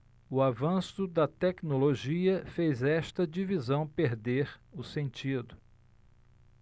o avanço da tecnologia fez esta divisão perder o sentido